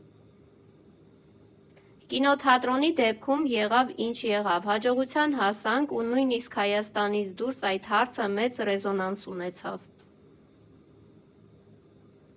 Կինոթատրոնի դեպքում եղավ ինչ եղավ, հաջողության հասանք ու նույնիսկ Հայաստանից դուրս այդ հարցը մեծ ռեզոնանս ունեցավ։